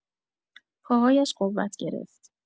پاهایش قوت گرفت.